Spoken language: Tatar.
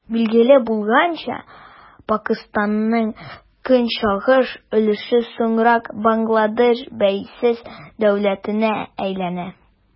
Билгеле булганча, Пакыстанның көнчыгыш өлеше соңрак Бангладеш бәйсез дәүләтенә әйләнә.